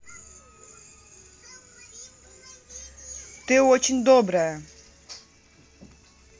ты очень добрая